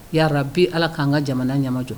Yara bɛ ala k'an ka jamana ɲamajɔ